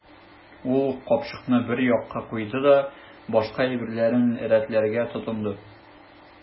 Ул капчыкны бер якка куйды да башка әйберләрен рәтләргә тотынды.